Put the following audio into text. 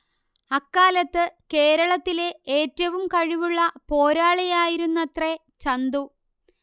അക്കാലത്ത് കേരളത്തിലെ ഏറ്റവും കഴിവുള്ള പോരാളിയായിരുന്നത്രേ ചന്തു